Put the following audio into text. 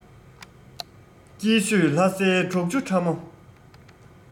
སྐྱིད ཤོད ལྷ སའི གྲོག ཆུ ཕྲ མོ